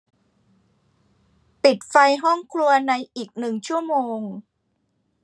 ปิดไฟห้องครัวในอีกหนึ่งชั่วโมง